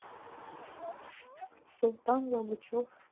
султан лагучев